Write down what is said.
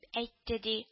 Әйтте, ди